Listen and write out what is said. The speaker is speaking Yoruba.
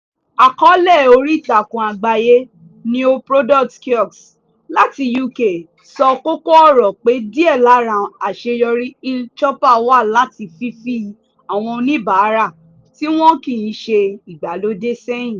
Àkọọ́lẹ̀ oríìtakùn àgbáyé NeoProducts Kiosks, láti UK, sọ kókó-ọ̀rọ̀ pé díẹ̀ lára àṣeyọrí eChoupal wá láti fífi àwọn oníbàárà tí wọ́n kìí ṣe ìgbàlódé sẹ́yìn.